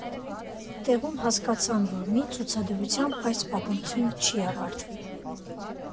Տեղում հասկացան, որ մի ցուցադրությամբ այս պատմությունը չի ավարտվի.